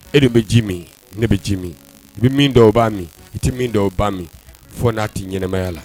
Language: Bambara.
E de bɛ ji min ne bɛ ji min n bɛ min dɔw oba min i tɛ min dɔw oba min fo n'a tɛ ɲɛnɛmaya la